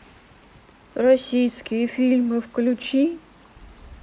российские фильмы включи